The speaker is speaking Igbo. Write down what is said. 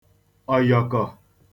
ọ̀yọ̀kọ̀